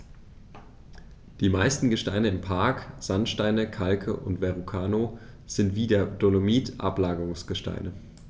Die meisten Gesteine im Park – Sandsteine, Kalke und Verrucano – sind wie der Dolomit Ablagerungsgesteine.